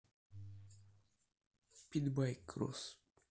питбайк кросс